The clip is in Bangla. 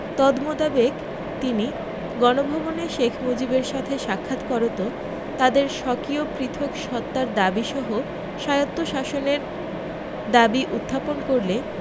তদমোতাবেক তিনি গণভবনে শেখ মুজিবের সাথে সাক্ষাৎ করত তাদের স্বকীয় পৃথক সত্তার দাবীসহ স্বায়ত্বশাসনের দাবী উত্থাপন করলে